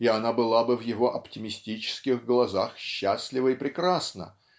и она была бы в его оптимистических глазах счастлива и прекрасна